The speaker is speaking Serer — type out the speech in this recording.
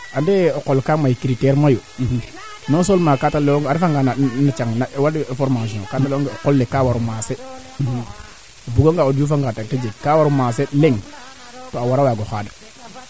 prbleme maaka mbissidu parce que a jega kee refo gina qusax to goda ngaan kaaga refka te ma cegel ke ñaam toogina ma ngar kate ma cegel qoqomb ke ndef ina ma xana njufa ndet so oleye koy yam ko bug ma xooxoona